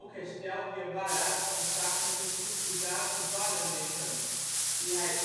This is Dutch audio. herstelt Guevara het contact met een groep Cubaanse bannelingen, die hij